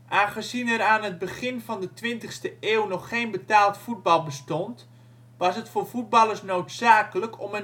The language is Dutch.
Aangezien er aan het begin van de twintigste eeuw nog geen betaald voetbal bestond, was het voor voetballers noodzakelijk om